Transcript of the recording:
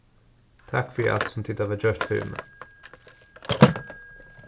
takk fyri alt sum tit hava gjørt fyri meg